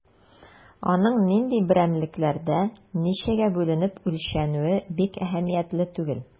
Аның нинди берәмлекләрдә, ничәгә бүленеп үлчәнүе бик әһәмиятле түгел.